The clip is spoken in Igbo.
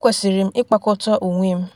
Ekwesịrị m ịkpakọta onwe m.”